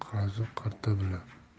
boqar qazi qarta bilan